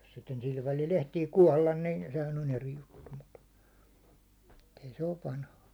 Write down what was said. jos sitten sillä välillä ehtii kuolla niin sehän on eri juttu mutta että ei se ole vanha